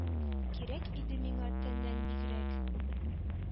Кирәк иде миңа тәннән бигрәк